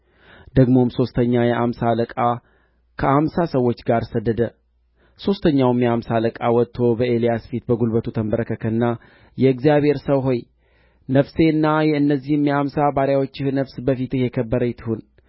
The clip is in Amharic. ኤልያስም እኔስ የእግዚአብሔር ሰው እንደ ሆንሁ እሳት ከሰማይ ትውረድ አንተንም አምሳውንም ሰዎችህን ትብላ አለው የእግዚአብሔርም እሳት ከሰማይ ወርዳ እርሱንና አምሳውን ሰዎቹን በላች